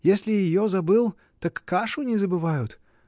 — Если ее забыл, так кашу не забывают.